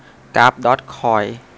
กราฟดอร์จคอย